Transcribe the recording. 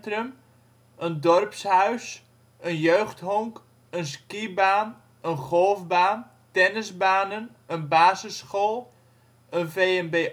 een dorpshuis, een jeugdhonk, een skibaan, een golfbaan, tennisbanen, een basisschool, een VMBO-vestiging